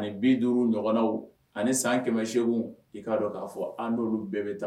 Ani 50 ɲɔgɔnnaw ani san 800, i k'a dɔn k'a fɔ an n'olu bɛɛ bɛ taa